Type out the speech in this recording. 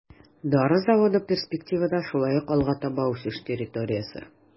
Дары заводы перспективада шулай ук алга таба үсеш территориясе.